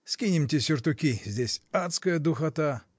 — Скинемте сюртуки: здесь адская духота.